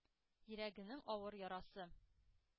Йөрәгенең авыр ярасы.